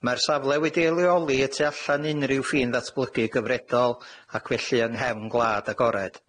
Mae'r safle wedi'i leoli y tu allan i unrhyw ffin ddatblygu gyfredol, ac felly yng nghefn gwlad agored.